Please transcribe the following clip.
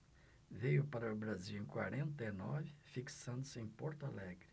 veio para o brasil em quarenta e nove fixando-se em porto alegre